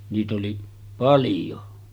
niitä oli paljon